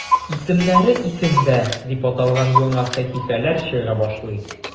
"исемнәре – исемдә" дип аталган яңа сәхифәләр чыга башлый.